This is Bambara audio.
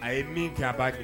A ye min kɛ aba